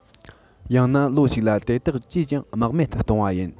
ཡང ན ལོ ཞིག ལ དེ དག ཅིས ཀྱང རྨེག མེད དུ གཏོང བ ཡིན